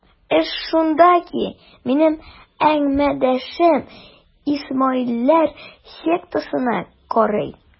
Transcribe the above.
Эш шунда ки, минем әңгәмәдәшем исмаилләр сектасына карый.